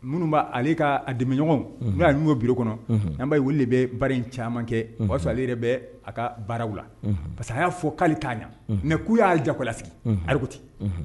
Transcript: Minnu b' ale ka dɛmɛmiɲɔgɔnw n' ye n ɲɔo biri kɔnɔ nba weele de bɛ baara in caman kɛ ale yɛrɛ bɛ a ka baaraw la parce que y'a fɔ k'ale k'a ɲɛ mɛ'u y'a jakɔlasigi alikuti